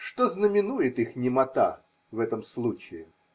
Что знаменует их немота в этом случае?